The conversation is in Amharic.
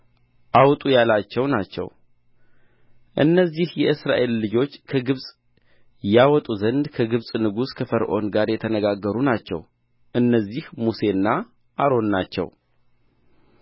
አውጡ ያላቸው ናቸው እነዚህ የእስራኤልን ልጆች ከግብፅ ያወጡ ዘንድ ከግብፅ ንጉሥ ከፈርዖን ጋር የተነጋገሩ ናቸው እነዚህ ሙሴና አሮን ናቸው